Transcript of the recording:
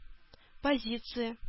Позиция